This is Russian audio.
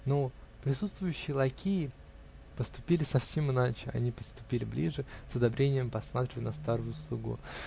но присутствующие лакеи поступили совсем иначе: они подступили ближе, с одобрением посматривая на старого слугу.